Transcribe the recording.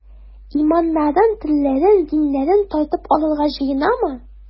Иманнарын, телләрен, диннәрен тартып алырга җыенамы?